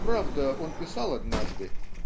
Правда, он писал однажды: ".